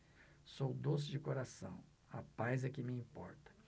sou doce de coração a paz é que me importa